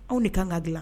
Anw de ka kan ka dilan